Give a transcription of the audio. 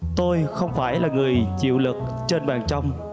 tôi không phải là người chịu lực trên bàn trong